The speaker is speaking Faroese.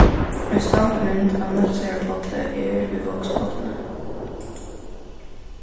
ein standmynd av nólsoyar pálli er í vágsbotni